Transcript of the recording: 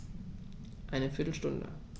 Eine viertel Stunde